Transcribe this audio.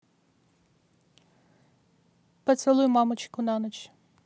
поцелуй мамочку на ночь